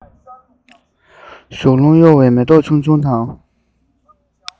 ཞོགས རླུང གཡོ བའི མེ ཏོག ཆུང ཆུང དང